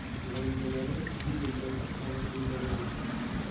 volidalari bu yerdagi ahvolni bilmaganlar